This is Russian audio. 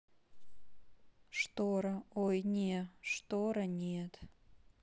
штора ой не штора нет